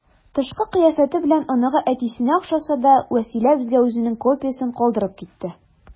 Тышкы кыяфәте белән оныгы әтисенә охшаса да, Вәсилә безгә үзенең копиясен калдырып китте.